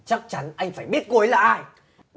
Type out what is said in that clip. chắc chắn anh phải biết cô ấy là ai